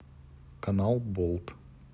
канал болт